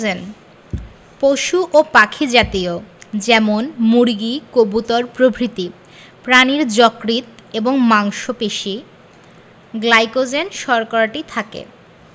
gen পশু ও পাখি জাতীয় যেমন মুরগি কবুতর প্রভৃতি প্রাণীর যকৃৎ এবং মাংস পেশি গ্লাইকোজেন শর্করাটি থাকে